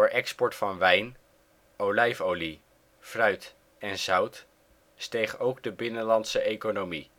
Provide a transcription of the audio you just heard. export van wijn, olijfolie, fruit en zout steeg ook de binnenlandse economie